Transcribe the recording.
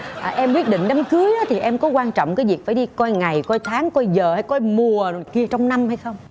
à em quyết định đám cưới á thì em có quan trọng cái việc phải đi coi ngày coi tháng coi giờ hay coi mùa rồi kia trong năm hay không